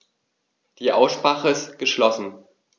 Die Aussprache ist geschlossen.